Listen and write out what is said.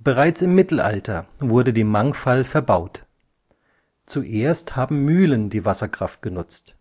Bereits im Mittelalter wurde die Mangfall verbaut. Zuerst haben Mühlen die Wasserkraft genutzt.